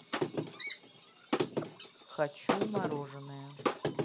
хочу мороженое